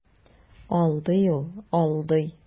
Алдый ул, алдый.